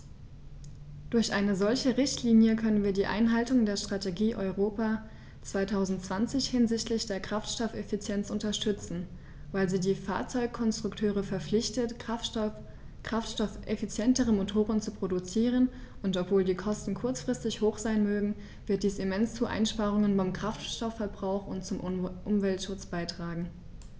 Durch eine solche Richtlinie können wir die Einhaltung der Strategie Europa 2020 hinsichtlich der Kraftstoffeffizienz unterstützen, weil sie die Fahrzeugkonstrukteure verpflichtet, kraftstoffeffizientere Motoren zu produzieren, und obwohl die Kosten kurzfristig hoch sein mögen, wird dies immens zu Einsparungen beim Kraftstoffverbrauch und zum Umweltschutz beitragen.